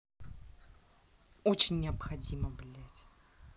очень необходимо блять